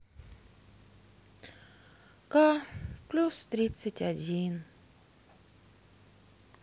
ка плюс тридцать один